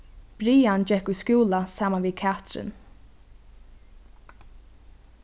brian gekk í skúla saman við katrin